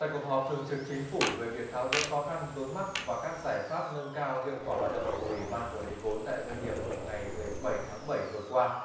tại cuộc họp thường trực chính phủ về việc tháo gỡ khó khăn vướng mắc và các giải pháp nâng cao hiệu quả hoạt động của ủy ban quản lý vốn tại doanh nghiệp ngày mười bảy tháng bảy vừa qua